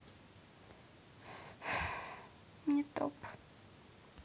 не топ